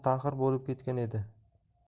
taxir bo'lib ketgan edi